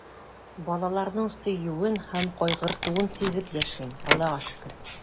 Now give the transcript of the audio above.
Балаларның сөюен һәм кайгыртуын сизеп яшим, Аллага шөкер.